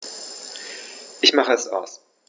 Ich mache es aus.